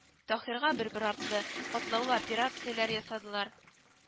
Таһирга бер-бер артлы катлаулы операцияләр ясадылар